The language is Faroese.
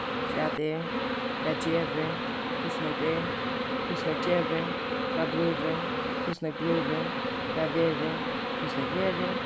hvat er hvat gevur hvussu nógv er hvussu nógv gevur hvat blívur hvussu nógv blívur hvat verður hvussu nógv verður